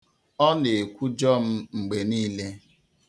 Ọ na-ekwujọ m mgbe niile.